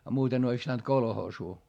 ja muuten olisi pitänyt kolhoosiin